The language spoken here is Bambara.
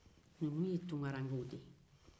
ninnu ye tunkarankew de ye